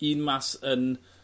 un mas yn